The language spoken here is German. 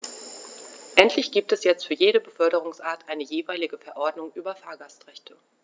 Endlich gibt es jetzt für jede Beförderungsart eine jeweilige Verordnung über Fahrgastrechte.